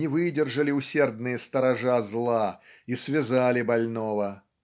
не выдержали усердные сторожа зла и связали больного.